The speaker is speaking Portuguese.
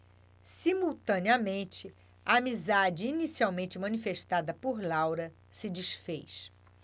simultaneamente a amizade inicialmente manifestada por laura se disfez